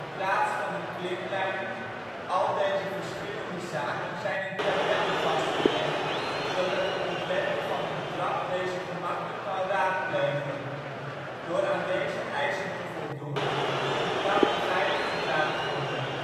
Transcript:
plaats van de klimlijn. Al deze verschillende zaken zijn in tabellen vastgelegd, zodat de ontwerper van een trap deze gemakkelijk kan raadplegen. Door aan deze eisen te voldoen kunnen trappen veilig gebruikt worden